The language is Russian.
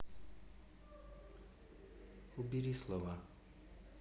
убери слова